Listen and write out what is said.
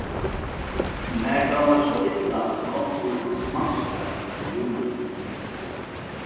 mær dámar so illa tá onkur smaskar í rúminum